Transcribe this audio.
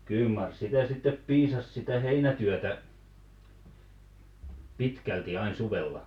kyllä mar sitä sitten piisasi sitä heinätyötä pitkälti aina suvella